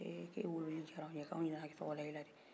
hee k'e wololi diyar'anw ye k'anw ɲinɛna ka tɔgɔ d'e la dɛ